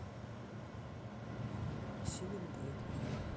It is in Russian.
сила любви